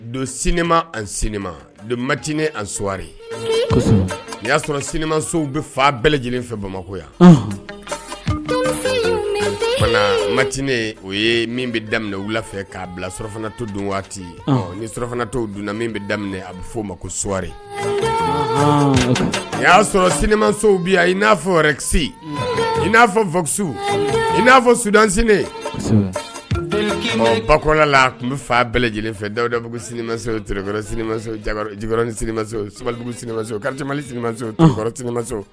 Don sinama anma don maten ani sowari i y'a sɔrɔ sinamansow bɛ fa bɛɛ lajɛlen fɛ bamakɔ yan fana maten o ye min bɛ daminɛ wula fɛ k'a bila surafana to don waati ɔ ni sufanatɔ donnana min bɛ daminɛ a bɛ f'o ma ko suwari i y'a sɔrɔ sinamanso bɛ yan i n'a fɔ si i n'a fɔ fasu i n'a fɔ sudse bakɔlala tun bɛ faa bɛɛ lajɛlen fɛ dawudabugu sinimankisɛse o tre nikisɛba sinamase o kari camansoso